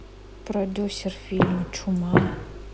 продюсер фильма чума